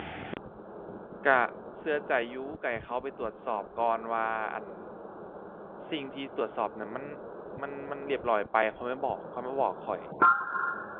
ก็ก็ใจอยู่ ก็ให้เขาไปตรวจสอบก่อนว่า อั่น สิ่งที่ตรวจสอบนั่นมัน มัน มันเรียบร้อยไปค่อยมาบอก ค่อยมาบอกข้อย